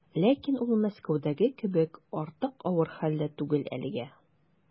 Ләкин ул Мәскәүдәге кебек артык авыр хәлдә түгел әлегә.